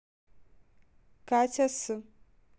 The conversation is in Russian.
катя с